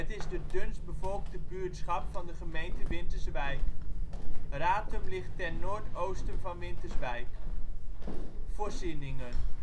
is de dunst bevolkte buurtschap van de gemeente Winterswijk. Ratum ligt ten noordoosten van Winterswijk. Er zijn weinig voorzieningen